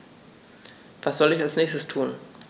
Was soll ich als Nächstes tun?